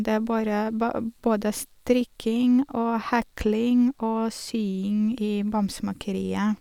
Det er bare ba både strikking og hekling og sying i bamsemakeriet.